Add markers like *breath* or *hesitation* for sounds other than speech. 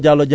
*breath* *hesitation* *hesitation*